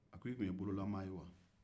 i tun ye bololamaa ye wa